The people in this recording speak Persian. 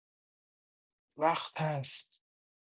وقت هست